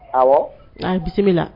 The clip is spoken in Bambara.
Ɔwɔ n'aan bisimila na